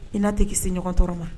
I na tɛ' seɲɔgɔn tɔɔrɔ ma